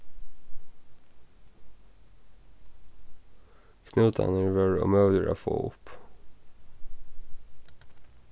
knútarnir vóru ómøguligir at fáa upp